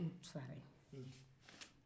o sara yen